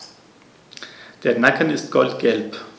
Der Nacken ist goldgelb.